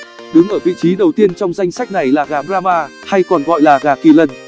đứng ở vị trí đầu tiên trong danh sách này là gà brahma hay còn gọi là gà kỳ lân